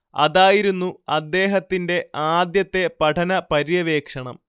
അതായിരുന്നു അദ്ദേഹത്തിന്റെ ആദ്യത്തെ പഠന പര്യവേക്ഷണം